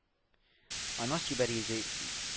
Аның чибәр йөзе